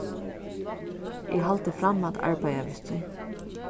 eg haldi fram at arbeiða við tí